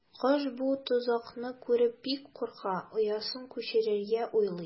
Кош бу тозакны күреп бик курка, оясын күчерергә уйлый.